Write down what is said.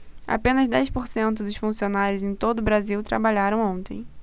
apenas dez por cento dos funcionários em todo brasil trabalharam ontem